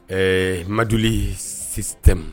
Ɛɛ maduli système